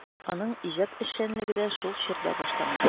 Аның иҗат эшчәнлеге дә шул чорда башлана.